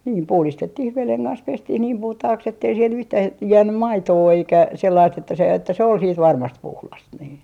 niin puhdistettiin veden kanssa pestiin niin puhtaaksi että ei siellä yhtään - jäänyt maitoa eikä sellaista että se että se oli sitten varmasti puhdas niin